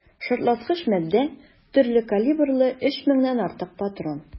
Шартлаткыч матдә, төрле калибрлы 3 меңнән артык патрон.